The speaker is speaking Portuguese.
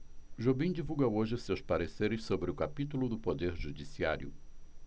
jobim divulga hoje seus pareceres sobre o capítulo do poder judiciário